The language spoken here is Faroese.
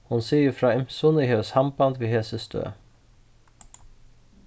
hon sigur frá ymsum ið hevur samband við hesi støð